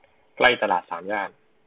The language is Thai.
ใกล้ตลาดสามย่าน